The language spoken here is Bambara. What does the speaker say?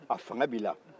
a fanga b'i la